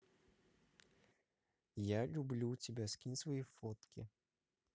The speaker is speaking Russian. я люблю тебя скинь свои фотки